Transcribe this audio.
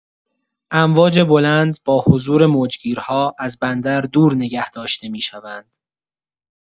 امواج بلند با حضور موج‌گیرها از بندر دور نگه داشته می‌شوند.